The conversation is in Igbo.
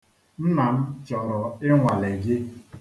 Nna m chọrọ inwale gị.